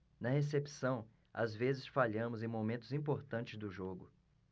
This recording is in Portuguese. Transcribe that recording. na recepção às vezes falhamos em momentos importantes do jogo